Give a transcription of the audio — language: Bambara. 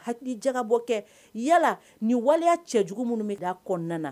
Hakilijagabɔ kɛ yala ni waleya cɛ jugu minnu bɛ kɔnɔnaɔn